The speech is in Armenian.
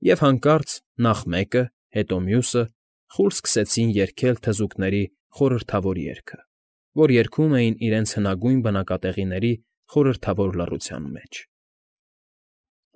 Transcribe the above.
Եվ հանկարծ, նախ մեկը, հետո մյուսը, խուլ սկսեցին երգել թզուկների խորհրդավոր երգը, որ երգում էին իրենց հնագույն բնակատեղիների խորհրդավոր լռության մեջ։